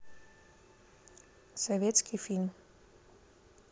советский фильм